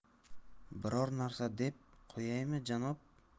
biror narsa deb qo'yaymi janob